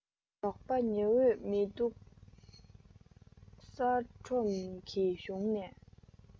ཞོགས པ ཉི འོད མི འདུག ས ཁྲོམ གྱི གཞུང ནས